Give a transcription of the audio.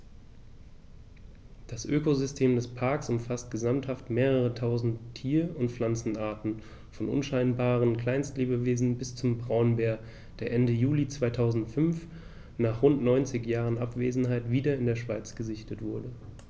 Das Ökosystem des Parks umfasst gesamthaft mehrere tausend Tier- und Pflanzenarten, von unscheinbaren Kleinstlebewesen bis zum Braunbär, der Ende Juli 2005, nach rund 90 Jahren Abwesenheit, wieder in der Schweiz gesichtet wurde.